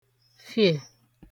-fìè